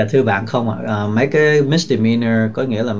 thưa bạn không ạ mấy cái mít xịt mi nơ có nghĩa là